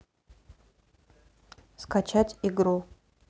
скачать игру